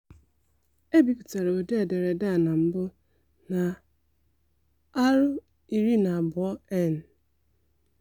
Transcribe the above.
Ebipụtara ụdị ederede a na mbụ na r12n.